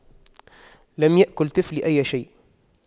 لم يأكل طفلي أي شيء